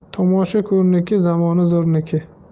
tomosha ko'rniki zamona zo'rniki